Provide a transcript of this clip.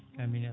amine